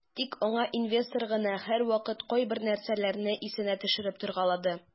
Тик аңа инвестор гына һәрвакыт кайбер нәрсәләрне исенә төшереп торгалады.